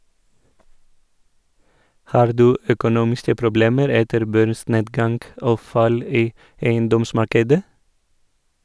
- Har du økonomiske problemer etter børsnedgang og fall i eiendomsmarkedet?